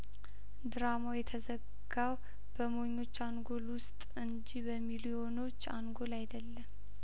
ድራማው የተዘጋው በሞኞች አንጐል ውስጥ እንጂ በሚሊዮኖች አንጐል አይደለም